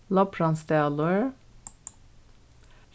lopransdalur